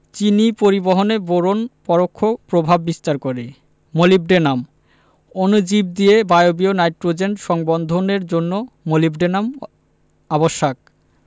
চিনি পরিবহনে বোরন পরোক্ষ প্রভাব বিস্তার করে মোলিবডেনাম অণুজীব দিয়ে বায়বীয় নাইট্রোজেন সংবন্ধনের জন্য মোলিবডেনাম আবশ্যক